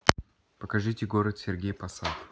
покажите город сергей посад